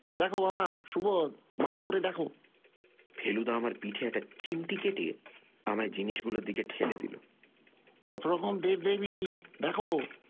দ্যাখো বাবা সুবোধ ভাল করে দ্যাখো ফেলুদা আমার পিঠে একটা চিমটি কেটে আমায় জিনিসগুলোর দিকে ঠেলে দিল কতরকম দেবদেবী দাখো